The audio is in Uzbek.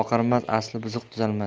asli buzuq tuzalmas